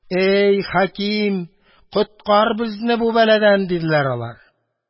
Әй, хаким! Коткар безне бу бәладән! – диделәр алар.